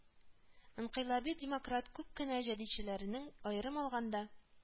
Инкыйлаби-демократ күп кенә җәдитчеләрнең, аерым алганда,